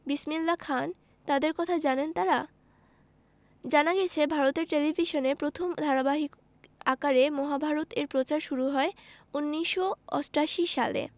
বিসমিল্লা খান তাঁদের কথা জানেন তাঁরা জানা গেছে ভারতের টেলিভিশনে প্রথম ধারাবাহিক আকারে মহাভারত এর প্রচার শুরু হয় ১৯৮৮ সালে